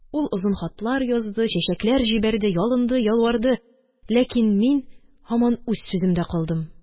Ул озын хатлар язды, чәчәкләр җибәрде, ялынды, ялварды, ләкин мин һаман үз сүземдә калдым.